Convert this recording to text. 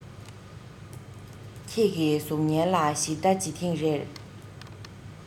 ཁྱེད ཀྱི གཟུགས བརྙན ལ ཞིབ ལྟ བྱེད ཐེངས རེར